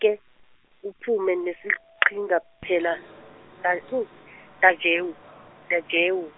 ke uphume neqhinga phela Ta- Tajewo Tajewo.